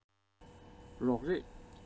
རོགས རེས